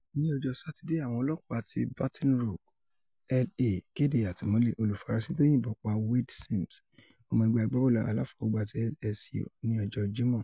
Ní ọjọ́ Sátidé, àwọn ọlọ́pàá ti Baton Rogue, La., kéde àtìmọ́lé olùfurasí tó yìnbọn pa Wayde Sims, ọmọ ẹgbẹ́ bọ́ọ̀lù àfọwọ́gbá ti LSU, ní ọjọ́ Jímọ̀.